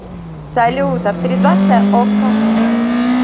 салют авторизация okko